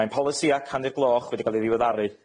Mae'n polisia canu'r gloch wedi ca'l i ddiweddaru,